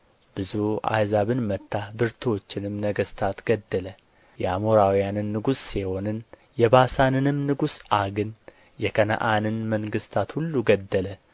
ብዙ አሕዛብን መታ ብርቱዎችንም ነገሥታት ገደለ የአሞራውያንን ንጉሥ ሴዎንን የባሳንንም ንጉሥ ዐግን የከነዓንን መንግሥታት ሁሉ ገደለ